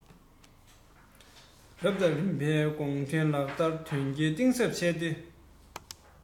རབ དང རིམ པའི དགོངས དོན ལག བསྟར དོན འཁྱོལ གཏིང ཟབ བྱས ཏེ